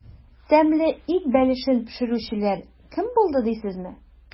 Тәмле ит бәлешен пешерүчеләр кем булды дисезме?